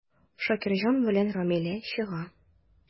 Шакирҗан белән Рамилә чыга.